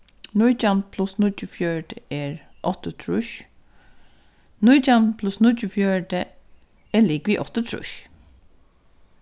nítjan pluss níggjuogfjøruti er áttaogtrýss nítjan pluss níggjuogfjøruti er ligvið áttaogtrýss